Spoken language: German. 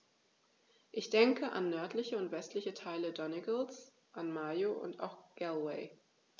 Ich denke an nördliche und westliche Teile Donegals, an Mayo, und auch Galway.